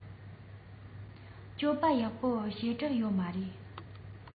སྤྱོད པ ཡག པོ ཞེ དྲགས ཡོད མ རེད